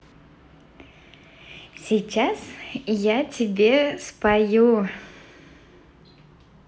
сейчас я тебе спою